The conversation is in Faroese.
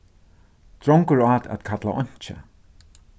drongur át at kalla einki